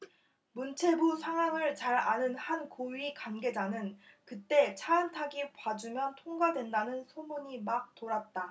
문체부 상황을 잘 아는 한 고위 관계자는 그때 차은택이 봐주면 통과된다는 소문이 막 돌았다